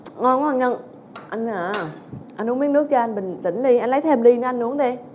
ngon quá anh nhân anh à anh uống miếng nước cho anh bình tĩnh đi anh lấy thêm ly nữa anh uống đi